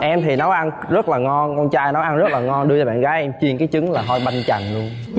em thì nấu ăn rất là ngon con trai nấu ăn rất là ngon đưa bạn gái em chiên cái trứng là thôi banh chành luôn